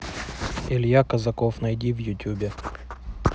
илья казаков найди в ютубе